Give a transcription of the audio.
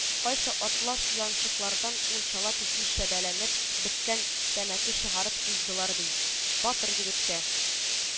Кайсы атлас янчыклардан мунчала төсле чәбәләнеп беткән тәмәке чыгарып суздылар, ди, батыр егеткә